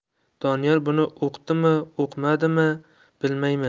doniyor buni uqdimi uqmadimi bilmayman